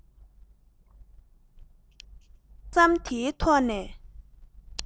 ཐག ཟམ དེའི ཐོག ནས